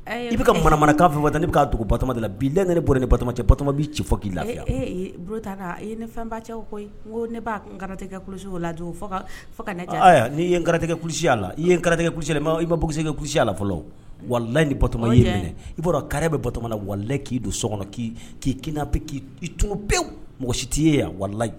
I bɛ kama kan da i ka bamada la' la ne bɔra ni bamatoma bɛ ci fɔ k'i lafiya ne fɛn ba ko ne b' karata kulu la n'i ye n karatakɛ kulusiya la i ye karatatigɛ kulu ma i' bɔsegɛ kuluya la fɔlɔ wali ni batoma i i bɔra kari bɛ bato la wali k'i don so kɔnɔ k'i k'iina k' t pewu mɔgɔ si tɛi ye yan wali